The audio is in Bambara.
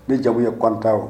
Ne jamu ye kɔntan ye